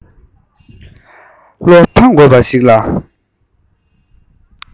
བློ ཕངས དགོས པ ཞིག ལ